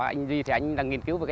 anh duy thì anh cũng đang nghiên cứu